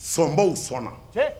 Sɔnbaw sɔnna